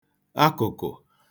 akụkụ